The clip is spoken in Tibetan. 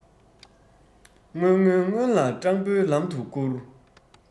སྔོན སྔོན སྔོན ལ སྤྲང པོའི ལམ ཏུ སྐུར